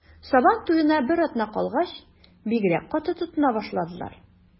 Сабан туена бер атна калгач, бигрәк каты тотына башладылар.